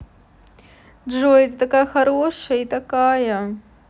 джой ты такая хорошая и такая